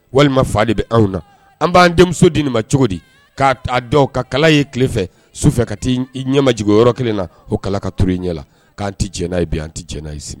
Walima fa de bɛ anw na an b'an denmuso di nin ma cogo di k'a a dɔn ka kala ye kle fɛ sufɛ ka t'i i ɲɛmajigin o yɔrɔ kelen na o kala ka turu i ɲɛ la k'an ti diɲɛ n'a ye bi an ti diɲɛ n'a ye sini